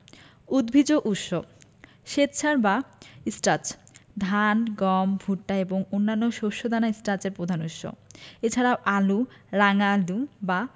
উদ্ভিজ্জ উৎস শ্বেতসার বা স্টার্চ ধান গম ভুট্টা এবং অন্যান্য শস্য দানা স্টার্চের প্রধান উৎস এছাড়া আলু রাঙা আলু বা